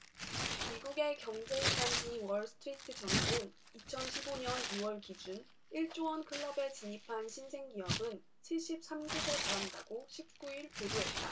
미국의 경제일간지 월스트리트저널은 이천 십 오 년 이 월 기준 일 조원 클럽에 진입한 신생기업은 칠십 삼 곳에 달한다고 십 구 일 보도했다